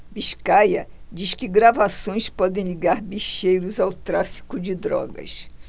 biscaia diz que gravações podem ligar bicheiros ao tráfico de drogas